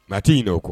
Mati in' o kɔ